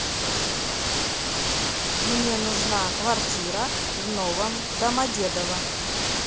мне нужна квартира в новом домодедово